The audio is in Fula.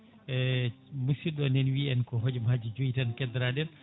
e musidɗo nana wiiya en ko hojomaji joyyi tan keddoraɗen